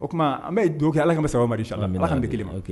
O tuma an dokɛ ala bɛ sababu amadu bɛ kɛ